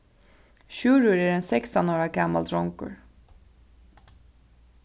sjúrður er ein sekstan ára gamal drongur